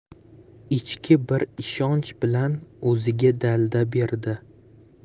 ichki bir ishonch bilan o'ziga dalda berdi